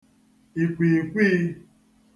ìkwììkwiī